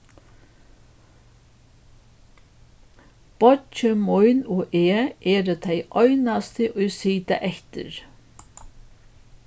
beiggi mín og eg eru tey einastu ið sita eftir